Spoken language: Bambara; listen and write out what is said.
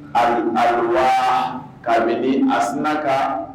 Kabinimini a sunka